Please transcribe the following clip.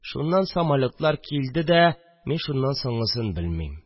– шуннан самолетлар килде дә, мин шуннан соңгысын белмим